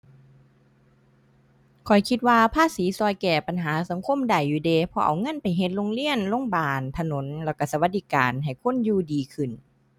ข้อยคิดว่าภาษีช่วยแก้ปัญหาสังคมได้อยู่เดะ เพราะเอาเงินไปเฮ็ดโรงเรียน โรงบาล ถนน แล้วช่วยสวัสดิการให้คนอยู่ดีขึ้น